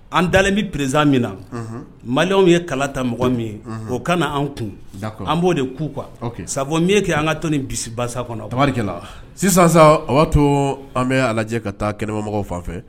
An dalen bɛ perezsan min na mali anw ye kala ta mɔgɔ min ye o kana na an kun an b'o de kuu qu sa mi kɛ an ka tɔn bisimilabasa kɔnɔrikɛla sisan sa o b'a to an bɛ ala ka taa kɛnɛmɔgɔw fan fɛ